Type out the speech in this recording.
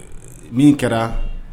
Min kɛra